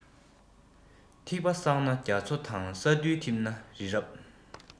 ཐིགས པ བསགས ན རྒྱ མཚོ དང ས རྡུལ བསགས ན རི རབ